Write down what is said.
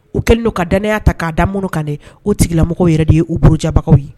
U kɛlen don ka kɛnɛyaya ta k'a da minnu kan di u tigilamɔgɔ yɛrɛ de ye u bolojabagaw ye